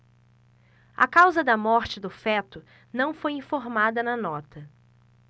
a causa da morte do feto não foi informada na nota